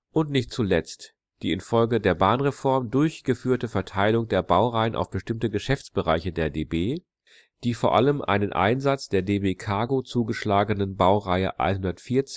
und nicht zuletzt die infolge der Bahnreform durchgeführte Verteilung der Baureihen auf bestimmte Geschäftsbereiche der DB, die vor allem einen Einsatz der DB Cargo zugeschlagenen Baureihe 140